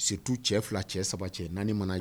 Surtout cɛ 2, cɛ 3, cɛ 4 ma na